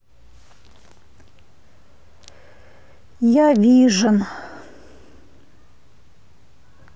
я вижен